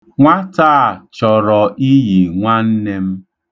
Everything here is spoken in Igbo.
Nwa a chọrọ iyi nwanne m.